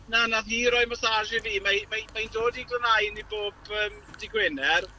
Na, wnaeth hi roi massage i fi. Mae mae mae hi'n dod i glanhau i ni bob yym Dydd Gwener.